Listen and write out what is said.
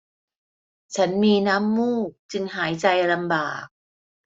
ฉันมีน้ำมูกจึงหายใจลำบาก